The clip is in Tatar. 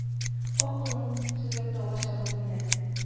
Ак колын сөзәк тауга чабып менә